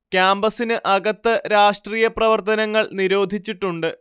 ക്യാമ്പസിന് അകത്ത് രാഷ്ട്രീയ പ്രവർത്തനങ്ങൾ നിരോധിച്ചിട്ടുണ്ട്